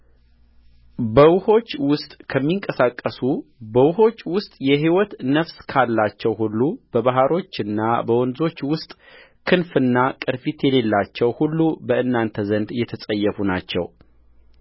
በውኆቹ ውስጥ ከሚንቀሳቀሱ በውኆች ውስጥ የሕይወት ነፍስ ካላቸው ሁሉ በባሕሮችና በወንዞች ውስጥ ክንፍና ቅርፊት የሌላቸው ሁሉ በእናንተ ዘንድ የተጸየፉ ናቸው